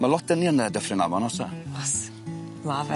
Ma' lot 'dyn ni yn yy Dyffryn Aman o's 'na? O's, ma' fe.